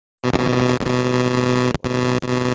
yaxshilik yog'och boshida yomonlik oyoq ostida